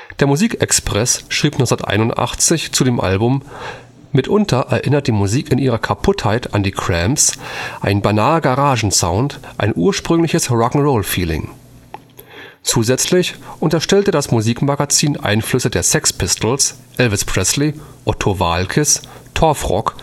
Der Musikexpress schrieb 1981 zu dem Album: „ Mitunter erinnert die Musik in ihrer Kaputtheit an die Cramps, ein Beinah-Garagensound, ein ursprüngliches Rock’ n’ Roll-Feeling. “Zusätzlich unterstellte das Musikmagazin Einflüsse der Sex Pistols, Elvis Presley, Otto Waalkes, Torfrock